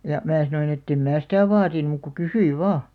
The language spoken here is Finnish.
ja minä sanoin että en minä sitä vaadi muuta kuin kysyin vain